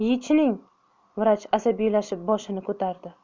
yechining vrach asabiylashib boshini ko'tardi